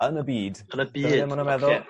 Yn y byd. Yn y byd oce. wnna'n feddwl?